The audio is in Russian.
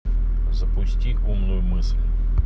запусти умную мысль